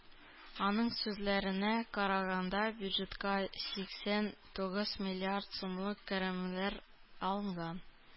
Аның сүзләренә караганда, бюджетка сиксән тугыз миллиард сумлык керемнәр алынган.